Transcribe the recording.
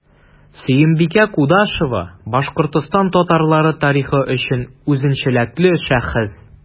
Сөембикә Кудашева – Башкортстан татарлары тарихы өчен үзенчәлекле шәхес.